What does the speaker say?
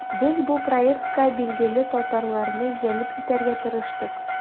Без бу проектка билгеле татарларны җәлеп итәргә тырыштык.